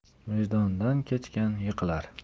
vijdondan kechgan yiqilar